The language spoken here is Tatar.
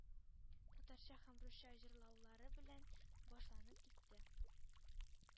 Татарча һәм русча җырлаулары белән башланып китте